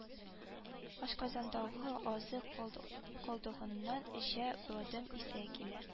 Ашказанындагы азык калдыгыннан әче бадәм исе килә